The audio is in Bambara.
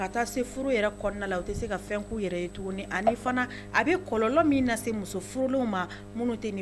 Ka taa se furu yɛrɛ kɔnɔna la u tɛ se ka fɛn k'u yɛrɛ tuguni ani fana a bɛ kɔlɔnlɔ min na se musof furu ma minnu tɛ